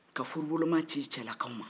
ka furuboloma ci cɛlakaw ma